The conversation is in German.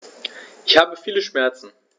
Ich habe viele Schmerzen.